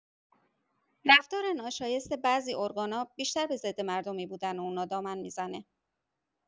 رفتار ناشایست بعضی ارگانا، بیشتر به ضدمردمی بودن اونا دامن می‌زنه.